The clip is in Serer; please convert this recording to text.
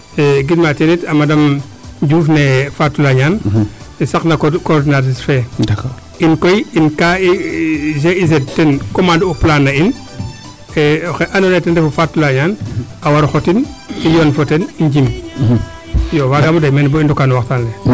gidma teen it a madame Diouf ne'e Fatou Landiane saqna coordinatrice fee in koy kaa i GIZ ten commande u plante na in oxe ando naye ten refu Fatou Landiane a waro xotin i yoon fo ten i njim iyo waagama doy meen bo i ndoka no waxtaan le